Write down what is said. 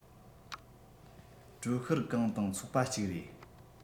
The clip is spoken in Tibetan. ཀྲོར ཤུའུ ཀང དང ཚོགས པ གཅིག རེད